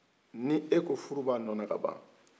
ni e ko ko furu b'a nɔ na ka ban